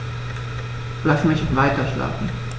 Lass mich weiterschlafen.